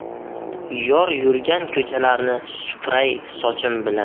yor yurgan ko'chalarni supuray sochim bilan